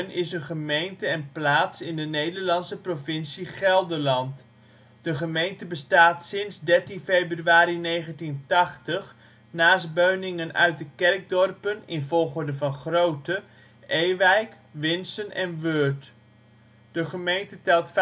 is een gemeente en plaats in de Nederlandse provincie Gelderland. De gemeente bestaat sinds 13 februari 1980 naast Beuningen uit de kerkdorpen (in volgorde van grootte) Ewijk, Winssen en Weurt. De gemeente telt